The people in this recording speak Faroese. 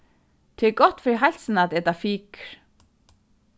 tað er gott fyri heilsuna at eta fikur